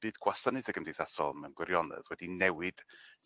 byd gwasanaethe gymdeithasol mewn gwirionedd wedi newid